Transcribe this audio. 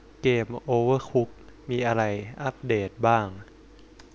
เกมโอเวอร์คุกมีอะไรอัปเดตบ้าง